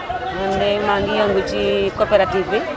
man de maa ngi yëngu ci coopérative bi